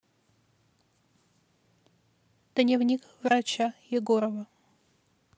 дневник врача егорова